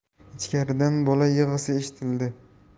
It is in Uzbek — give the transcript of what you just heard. ichkaridan bola yig'isi eshitildi